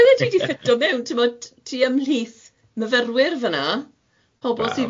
Bydde ti 'di ffito mewn, timod, tu ymhlith myfyrwyr fan'na, pobol